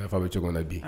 n'a fɛ a bɛ cogo min na bi